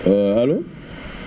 allo